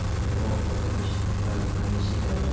yomon xotin ishin qilar hamisha poylab